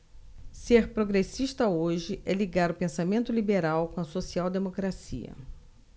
ser progressista hoje é ligar o pensamento liberal com a social democracia